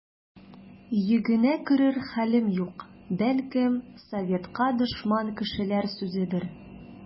Йөгенә керер хәлем юк, бәлкем, советка дошман кешеләр сүзедер.